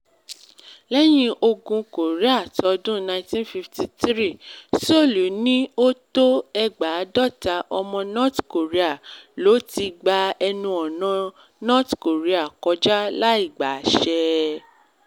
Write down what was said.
Lẹ́yìn Ogun Korea t’ọdún 1953, Seoul ní ó tó 30,000 ọmọ North Korea ló ti gba ẹnu ọ̀nà North Korea kọjá láìgbaṣẹ.